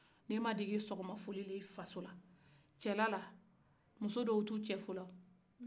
n'i ma kalan sɔgɔma foli la i fasola cɛla la muso dɔw tu cɛ fola